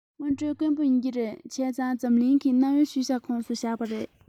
དངོས འབྲེལ དཀོན པོ ཡིན གྱི རེད བྱས ཙང འཛམ གླིང གི གནའ བོའི ཤུལ བཞག ཁོངས སུ བཞག པ རེད